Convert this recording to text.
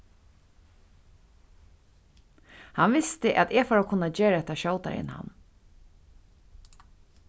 hann visti at eg fór at kunna gera hetta skjótari enn hann